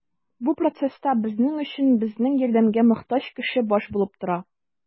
Бу процесста безнең өчен безнең ярдәмгә мохтаҗ кеше баш булып тора.